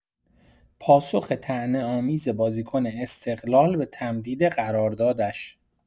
پاسخ طعنه‌آمیز بازیکن استقلال به تمدید قراردادش